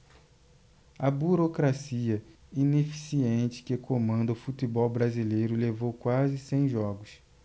a burocracia ineficiente que comanda o futebol brasileiro levou quase cem jogos